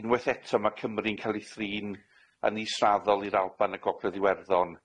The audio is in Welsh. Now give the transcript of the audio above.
Unweth eto ma' Cymru'n ca'l 'i thrin yn israddol i'r Alban a Gogledd Iwerddon.